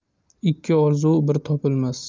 ikki orzu bir topilmas